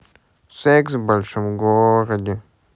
секс в большом городе